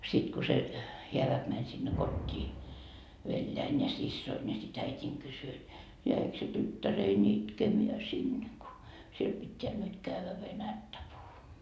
sitten kun se hääväki meni sinne kotiin veljeni ja siskoni ja sitten äitini kysyi että jäikö se tyttäreni itkemään sinne kun siellä pitää nyt käydä venäjää puhumaan